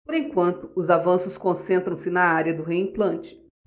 por enquanto os avanços concentram-se na área do reimplante